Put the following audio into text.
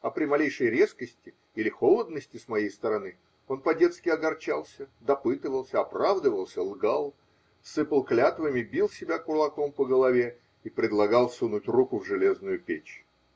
А при малейшей резкости или холодности с моей стороны он по детски огорчался, допытывался, оправдывался, лгал, сыпал клятвами, бил себя кулаком по голове и предлагал сунуть руку в железную печь.